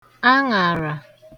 aṅàrà